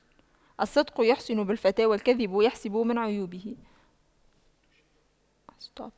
الصدق يحسن بالفتى والكذب يحسب من عيوبه